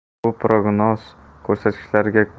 bu prognoz ko'rsatkichlariga